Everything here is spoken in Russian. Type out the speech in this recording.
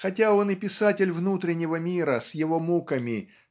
хотя он и писатель внутреннего мира с его муками